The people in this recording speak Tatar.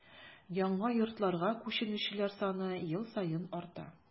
Яңа йортларга күченүчеләр саны ел саен арта.